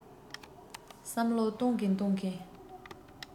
བསམ བློ གཏོང གིན གཏོང གིན